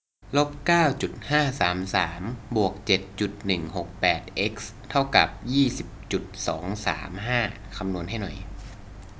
ลบเก้าจุดห้าสามสามบวกเจ็ดจุดหนึ่งหกแปดเอ็กซ์เท่ากับยี่สิบจุดสองสามห้าคำนวณให้หน่อย